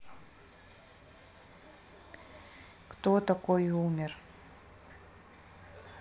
кто такой умер